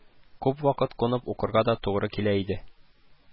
Күп вакыт кунып укырга да тугры килә иде